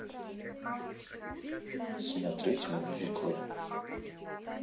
смотреть мюзиклы